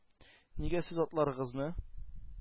-нигә сез атларыгызны